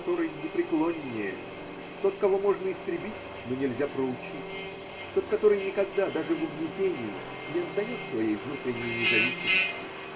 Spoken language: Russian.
который непреклоннее, тот, кого можно истребить, но нельзя проучить, тот, который никогда, даже в угнетении, не отдает своей внутренней независимости.